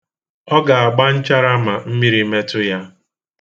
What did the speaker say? Ọ ga-agba nchara ma mmiri metụ ya.